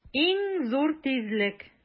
Иң зур тизлек!